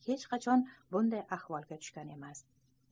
hech qachon bunday ahvolga tushgan emas